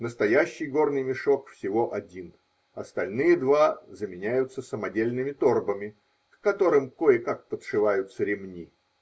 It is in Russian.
Настоящий горный мешок всего один, остальные два заменяются самодельными торбами, к которым кое-как подшиваются ремни.